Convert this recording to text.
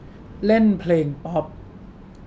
เล่นเพลงป๊อป